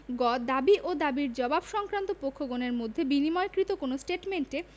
গ দাবী ও দাবীর জবাব সংক্রান্ত পক্ষগণের মধ্যে বিনিময়কৃত কোন ষ্টেটমেন্টে